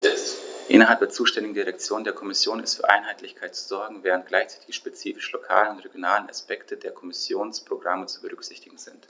Innerhalb der zuständigen Direktion der Kommission ist für Einheitlichkeit zu sorgen, während gleichzeitig die spezifischen lokalen und regionalen Aspekte der Kommissionsprogramme zu berücksichtigen sind.